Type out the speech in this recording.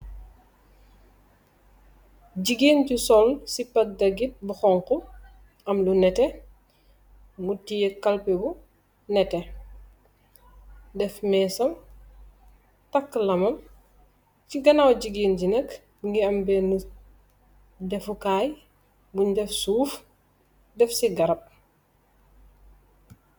jigéen ju soll cipag dagit bu xonku am lu nete mutie kalpe bu nete def meesam taka lamam ci ganaaw jigeen ji neka mogi am bennu defukaay bun def suuf def ci garab.